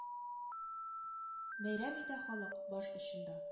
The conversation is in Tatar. Бәйрәм итә халык, баш очында